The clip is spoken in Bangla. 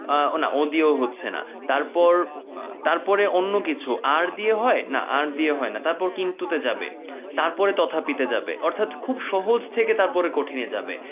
আর না ও দিয়েও হচ্ছে না তারপর অন্য কিছু আর দিয়ে হয় না আর দিয়েও হয় না তারপর কিন্তু তো যাবে তারপরে তথাপি তে যাবে অর্থাৎ খুব সহজ থেকে তারপর কঠিন এ যাবে